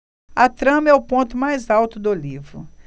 a trama é o ponto mais alto do livro